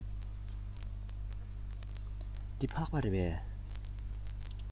འདི ཕག པ རེད པས